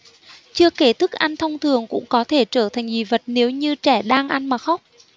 chưa kể thức ăn thông thường cũng có thể trở thành dị vật nếu như trẻ đang ăn mà khóc